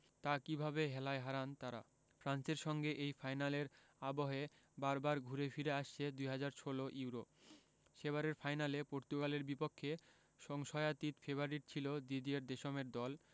তা কিভাবে হেলায় হারান তাঁরা ফ্রান্সের জন্য এই ফাইনালের আবহে বারবার ঘুরে ফিরে আসছে ২০১৬ ইউরো সেবারের ফাইনালে পর্তুগালের বিপক্ষে সংশয়াতীত ফেভারিট ছিল দিদিয়ের দেশমের দল